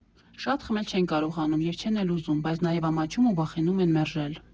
Շատ խմել չեն կարողանում և չեն էլ ուզում, բայց նաև ամաչում ու վախենում են մերժել։